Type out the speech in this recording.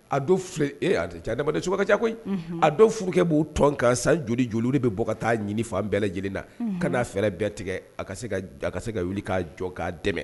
A cadama suka ca koyi a dɔ furu b'o tɔn kan san joli joli de bɛ bɔ ka taa ɲini fan bɛɛ lajɛlen na ka'a fɛɛrɛ bɛɛ tigɛ a a ka se ka wuli k'a jɔ k'a dɛmɛ